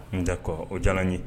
N tɛ ko o diyara n ye